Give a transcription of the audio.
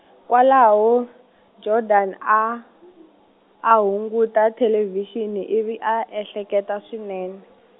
kwalaho Jordaan a , a hunguta thelevhixini ivi a ehleketa swinene.